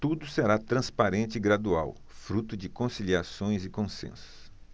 tudo será transparente e gradual fruto de conciliações e consensos